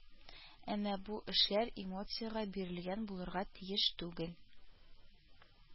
Әмма бу сүзләр эмоциягә бирелгән булырга тиеш түгел